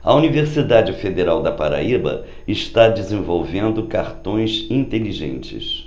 a universidade federal da paraíba está desenvolvendo cartões inteligentes